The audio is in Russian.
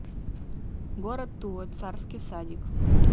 город тула цыганский садик